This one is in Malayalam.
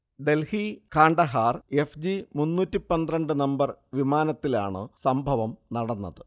ഡൽഹി-കാണ്ഡഹാർ എഫ്. ജി മുന്നൂറ്റി പന്ത്രണ്ട് നമ്പർ വിമാനത്തിലാണ് സംഭവം നടന്നത്